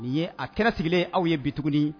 Nin ye a kɛratigɛ aw ye bit